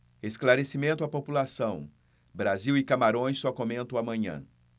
esclarecimento à população brasil e camarões só comento amanhã